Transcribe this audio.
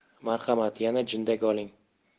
marhamat yana jindak oling